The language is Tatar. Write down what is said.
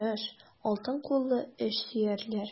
Тырыш, алтын куллы эшсөярләр.